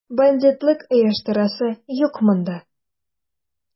Бандитлык оештырасы юк монда!